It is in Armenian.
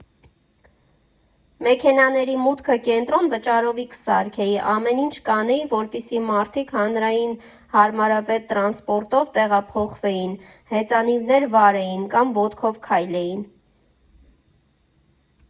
Մեքենաների մուտքը կենտրոն վճարովի կսարքեի, ամեն ինչ կանեի, որպեսզի մարդիկ հանրային հարմարավետ տրանսպորտով տեղափոխվեին, հեծանիվներ վարեին կամ ոտքով քայլեին։